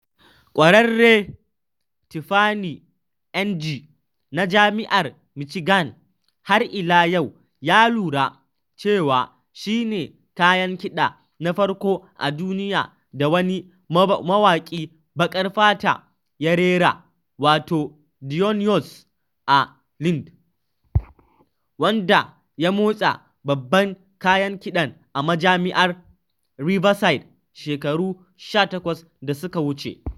Kwararren, Tiffany Ng na Jami’ar Michigan, har ila yau ya lura cewa shi ne kayan kiɗa na farko a duniya da wani mawaki baƙar fata ya rera, wato Dionisio A. Lind, wanda ya motsa babban kayan kiɗan a Majami’ar Riverside shekaru 18 da suka wuce.